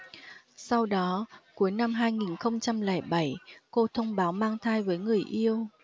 sau đó cuối năm hai nghìn không trăm lẻ bảy cô thông báo mang thai với người yêu